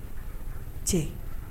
Cɛ